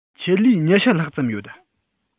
ཆེད ལས ༢༠ ལྷག ཙམ ཡོད